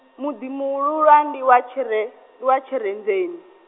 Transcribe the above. muḓi muhululwa ndi wa Tshire-, wa Tshirenzheni.